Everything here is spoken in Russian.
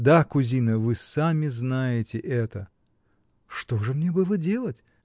— Да, кузина, вы сами знаете это. — Что же мне было делать?